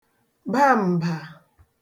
bà m̀bà